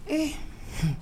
Ee